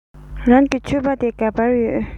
རང གི ཕྱུ པ དེ ག པར ཡོད